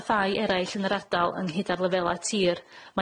â thai eraill yn yr ardal ynghyd â'r lefela tir